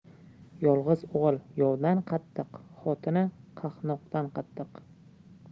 yolg'iz o'g'il yovdan qattiq xotini qahnoqdan qattiq